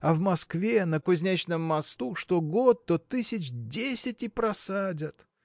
А в Москве, на Кузнецком мосту, что год, то тысяч десять и просадят!